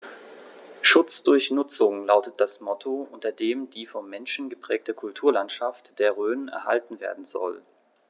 „Schutz durch Nutzung“ lautet das Motto, unter dem die vom Menschen geprägte Kulturlandschaft der Rhön erhalten werden soll.